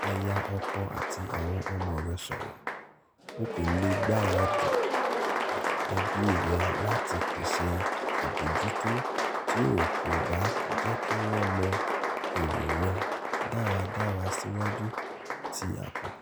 Bá aya/ọkọ àti àwọn ọmọ rẹ sọ̀rọ̀: O kò lè gbaradì ẹbí rẹ láti pèsè àbójútó tí o kò bá jẹ́ kí wọ́n mọ èrò rẹ dáradára síwájú tí àkókò.